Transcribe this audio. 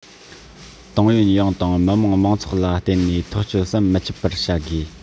ཏང ཡོན ཡོངས དང མི དམངས མང ཚོགས ལ བརྟེན ནས ཐག གཅོད ཟམ མི ཆད པར བྱ དགོས